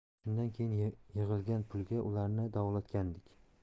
shundan keyin yig'ilgan pulga ularni davolatgandik